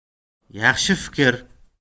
yaxshi fikr